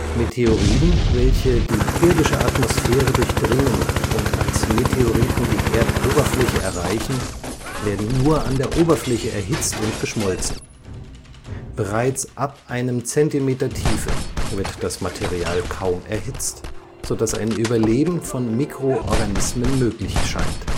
Meteoroiden, welche die irdische Atmosphäre durchdringen und als Meteoriten die Erdoberfläche erreichen, werden nur an der Oberfläche erhitzt und geschmolzen. Bereits ab einem Zentimeter Tiefe wird das Material kaum erhitzt, so dass ein Überleben von Mikroorganismen möglich scheint